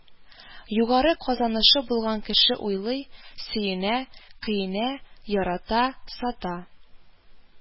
Югары казанышы булган кеше уйлый, сөенә, көенә, ярата, сата,